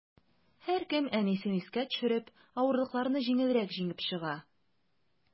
Һәркем, әнисен искә төшереп, авырлыкларны җиңелрәк җиңеп чыга.